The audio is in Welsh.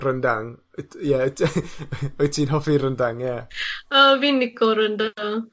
rendang yd- ie wyt ti'n hoffi rendang ie? Yy fi'n lico rendang.